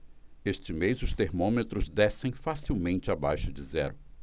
este mês os termômetros descem facilmente abaixo de zero